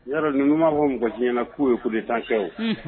I y'a don nin kun m'a fɔ si ɲɛnɛ k'u ye coup d'etat kɛ wo! unhun.